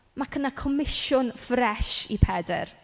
Ma' cyna- comisiwn ffres i Pedr.